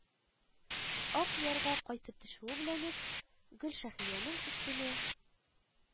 Акъярга кайтып төшүе белән үк, Гөлшәһидәнең өстенә